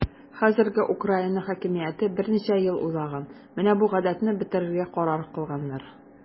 Хәзерге Украина хакимияте берничә ел уйлаган, менә бу гадәтне бетерергә карар кылганнар.